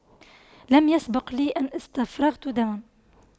لم يسبق لي أن استفرغت دما